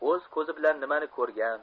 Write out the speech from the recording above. o'z ko'zi bilan nimani ko'rgan